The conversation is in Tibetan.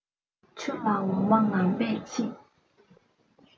ཆུ ལས འོ མ ངང པས ཕྱེ